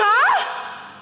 hả